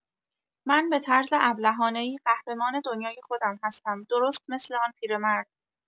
من به طرز ابلهانه‌ای قهرمان دنیای خودم هستم درست مثل آن پیر مرد.